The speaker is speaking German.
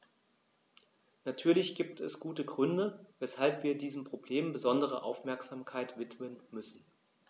Natürlich gibt es gute Gründe, weshalb wir diesem Problem besondere Aufmerksamkeit widmen müssen.